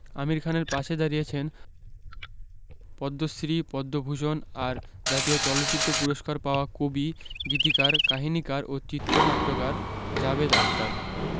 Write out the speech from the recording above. আমির খানের পাশে দাঁড়িয়েছেন পদ্মশ্রী পদ্মভূষণ আর জাতীয় চলচ্চিত্র পুরস্কার পাওয়া কবি গীতিকার কাহিনিকার ও চিত্রনাট্যকার জাভেদ আখতার